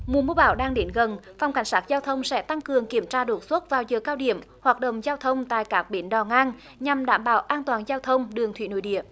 mùa mưa bão đang đến gần phòng cảnh sát giao thông sẽ tăng cường kiểm tra đột xuất vào giờ cao điểm hoạt động giao thông tại các bến đò ngang nhằm đảm bảo an toàn giao thông đường thủy nội địa